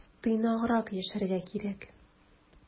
Тыйнаграк яшәргә кирәк.